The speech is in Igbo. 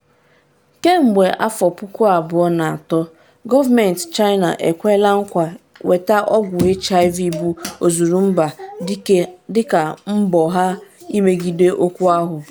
Kemgbe 2003, gọọmentị China ekwela nkwa nweta ọgwụ HIV bụ ozurumba dịka mbọ ha imegide okwu ahụ.